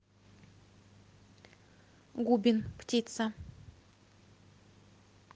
губин птица